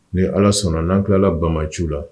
Ni Ala sɔnna n'an kilala bamaciw a